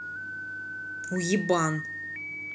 уебан